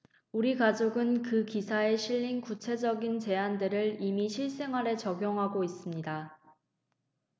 우리 가족은 그 기사에 실린 구체적인 제안들을 이미 실생활에 적용하고 있습니다